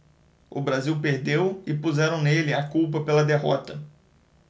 o brasil perdeu e puseram nele a culpa pela derrota